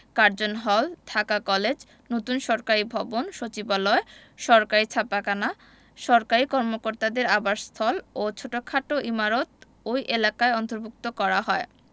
Curzon Hall Dhaka College নতুন সরকারি ভবন সচিবালয় সরকারি ছাপাকানা সরকারি কর্মকর্তাদের আবাসস্থল ও ছোটখাট ইমারত ওই এলাকায় অন্তর্ভুক্ত করা হয়